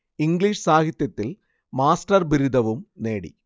English സാഹിത്യത്തിൽ master ബിരുദവും നേടി